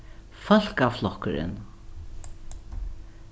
fólkaflokkurin